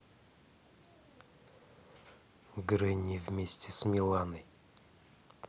грэнни вместе с миланой